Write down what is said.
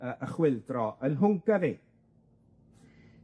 yy y chwyldro yn Hwngari.